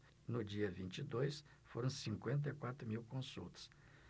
no dia vinte e dois foram cinquenta e quatro mil consultas